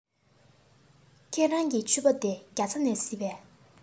ཁྱེད རང གི ཕྱུ པ དེ རྒྱ ཚ ནས གཟིགས པས